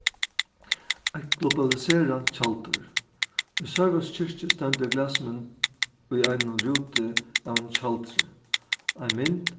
eitt globaliserað tjaldur í sørvágs kirkju stendur glasmynd í einum rúti av einum tjaldri ein mynd